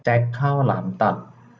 แจ็คข้าวหลามตัด